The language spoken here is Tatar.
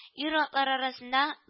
Ир-атлар арасында